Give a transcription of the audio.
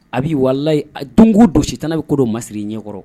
A bɛ'i waliyi don' dusu si tan' bɛ ko masiri ɲɛkɔrɔ